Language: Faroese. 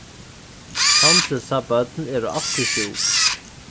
sandrusa børn eru altíð sjúk